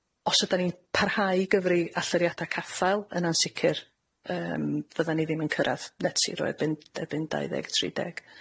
Os ydan ni parhau i gyfri allyriada caffael, yna'n sicir yym, fyddan ni ddim yn cyrradd net zero erbyn erbyn dau ddeg tri deg.